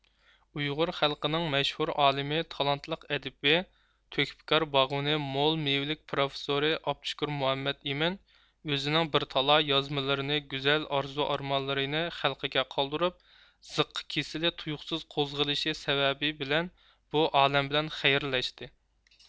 ئۇيغۇر خەلقىنىڭ مەشھۇر ئالىمى تالانتلىق ئەدىبى تۆھپىكار باغۋېنى مول مېۋىلىك پروفېسورى ئابدۇشكۇر مۇھەممەد ئىمىن ئۆزىنىڭ بىر تالاي يازمىلىرىنى گۈزەل ئارزۇ ئارمانلىرىنى خەلقىگە قالدۇرۇپ زېققا كېسىلى تۇيۇقسىز قوزغىلىشى سەۋەبى بىلەن بۇ ئالەم بىلەن خەيرلەشتى